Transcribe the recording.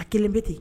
A kelen bɛ ten